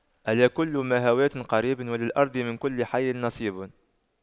ألا كل ما هو آت قريب وللأرض من كل حي نصيب